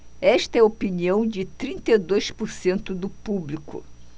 esta é a opinião de trinta e dois por cento do público